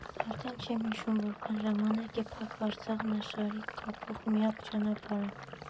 Արդեն չեմ հիշում՝ որքան ժամանակ է փակ Արցախն աշխարհին կապող միակ ճանապարհը։